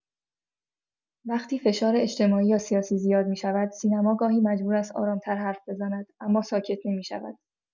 وقتی فشار اجتماعی یا سیاسی زیاد می‌شود، سینما گاهی مجبور است آرام‌تر حرف بزند، اما ساکت نمی‌شود.